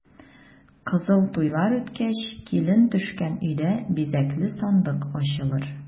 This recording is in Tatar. Кызыл туйлар үткәч, килен төшкән өйдә бизәкле сандык ачылыр.